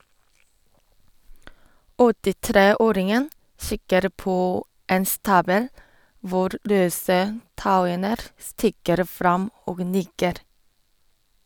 83-åringen kikker på en stabel hvor løse tauender stikker fram , og nikker.